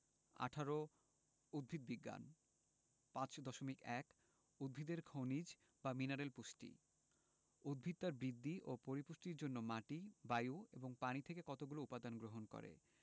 ১৮ উদ্ভিদ বিজ্ঞান ৫.১ উদ্ভিদের খনিজ বা মিনারেল পুষ্টি উদ্ভিদ তার বৃদ্ধি ও পরিপুষ্টির জন্য মাটি বায়ু এবং পানি থেকে কতগুলো উপদান গ্রহণ করে